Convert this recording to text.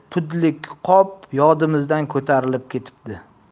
pudlik qop yodimizdan ko'tarilib ketibdi